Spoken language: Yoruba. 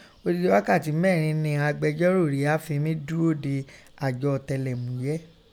Odidi ghakati mérin nẹ ìghọn agbẹjọro ria fin mí dúó de ajọ ọ̀tẹlẹ̀múyẹ́.